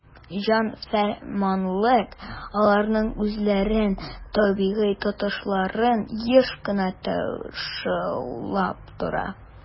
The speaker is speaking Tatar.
"җан-фәрманлык" аларның үзләрен табигый тотышларын еш кына тышаулап тора.